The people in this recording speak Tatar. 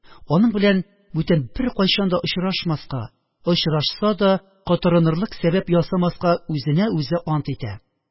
Аның белән бүтән беркайчан да очрашмаска, очрашса да котырынырлык сәбәп ясамаска үзенә үзе ант итә.